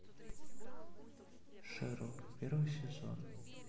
шерлок первый сезон